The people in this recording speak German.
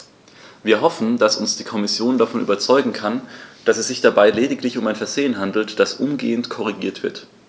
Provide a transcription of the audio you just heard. Wir hoffen, dass uns die Kommission davon überzeugen kann, dass es sich dabei lediglich um ein Versehen handelt, das umgehend korrigiert wird.